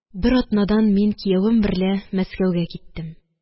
Бер атнадан мин киявем берлә Мәскәүгә киттем.